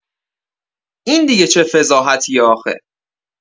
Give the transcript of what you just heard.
این دیگه چه فضاحتیه آخه؟